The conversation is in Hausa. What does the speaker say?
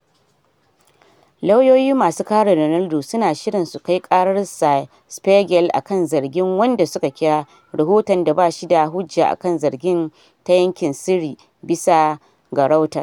Lauyoyi masu kare Ronaldo su na shirin su kai ƙarar Der Spiegel akan zargin, wanda suka kira “Rihoton da bashi da hujja akan zargi ta yankin sirri,” bisa ga Reuters.